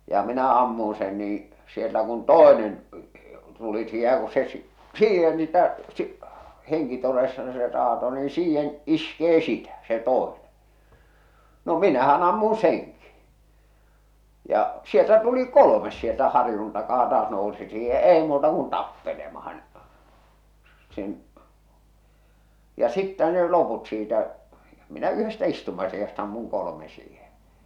ja minä ammuin sen niin siellä kun toinen tuli siihen ja kun se - siihen niitä - henkitoreissaan se raato niin siihen iskee sitä se toinen no minähän ammuin senkin ja sieltä tuli kolmas sieltä harjun takaa taas nousi siihen ja ei muuta kuin tappelemaan sen ja sitten ne loput siitä minä yhdestä istumasijasta ammuin kolme siihen